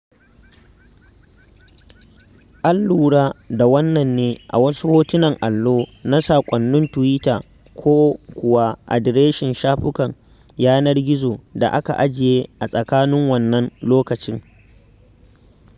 An lura da wannan ne a wasu hotunan allo na saƙonnin tuwita ko kuwa adireshin shafukan yanar gizo da aka ajiye a tsakanin wannan lokacin.